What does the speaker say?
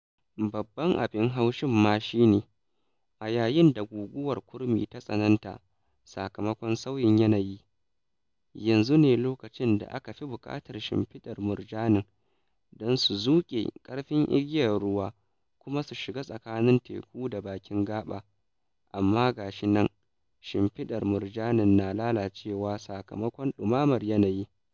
Babban abin haushin ma shi ne, a yayin da guguwar kurmi ta tsananta sakamakon sauyin yanayi, yanzu ne lokacin da aka fi buƙatar shimfiɗar murjanin don su zuƙe ƙarfin igiyar ruwa kuma su shiga tsakanin teku da bakin gaɓa - amma ga shi nan shimfiɗar murjanin na lalacewa sakamakon ɗumamar yanayi.